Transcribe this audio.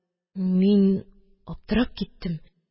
Мин аптырап киттем